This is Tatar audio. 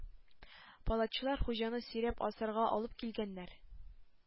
Палачлар Хуҗаны сөйрәп асарга алып килгәннәр.